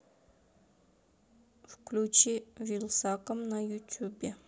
включи вилсаком на ютубе